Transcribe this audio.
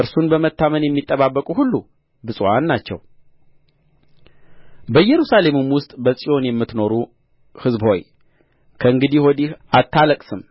እርሱን በመተማመን የሚጠባበቁ ሁሉ ብፁዓን ናቸው በኢየሩሳሌም ውስጥ በጽዮን የምትኖሩ ሕዝብ ሆይ ከእንግዲህ ወዲህ አታለቅስም